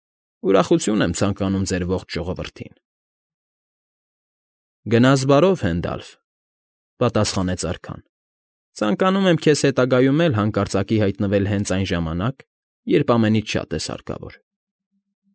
Ուրախություն եմ ցանկանում ձեր ողջ ժողովրդին… ֊ Գնաս բարով, Հենդալֆ,֊ պատասխանեց արքան,֊ Ցանկանում եմ քեզ հետագայում էլ հանկարածկի հայտնվես հենց այն ժամանակ, երբ ամենից շատ ես հարկավոր։